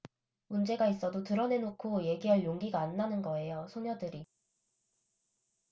문제가 있어도 드러내놓고 얘기할 용기가 안 나는 거예요 소녀들이